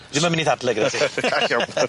Ddim yn myn' i ddadle gyda ti.